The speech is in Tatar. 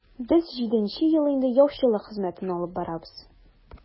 Без җиденче ел инде яучылык хезмәтен алып барабыз.